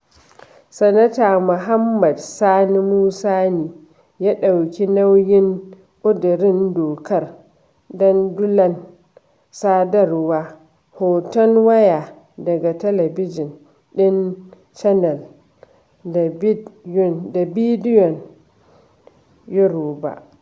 Sanata Mohammed Sani Musa ne ya ɗauki nauyin ƙudurin dokar dandulan sadarwa. Hoton waya daga Talabijin ɗin Channel da bidiyon Youtube.